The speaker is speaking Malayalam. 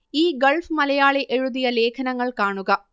ഈ ഗൾഫ് മലയാളി എഴുതിയ ലേഖനങ്ങൾ കാണുക